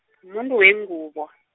muntu wengubo .